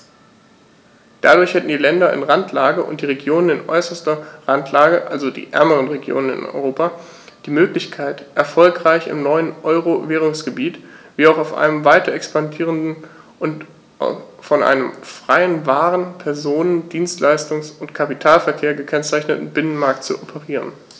Dadurch hätten die Länder in Randlage und die Regionen in äußerster Randlage, also die ärmeren Regionen in Europa, die Möglichkeit, erfolgreich im neuen Euro-Währungsgebiet wie auch auf einem weiter expandierenden und von einem freien Waren-, Personen-, Dienstleistungs- und Kapitalverkehr gekennzeichneten Binnenmarkt zu operieren.